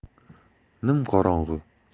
nim qorong'i